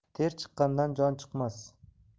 ter chiqqandan jon chiqmas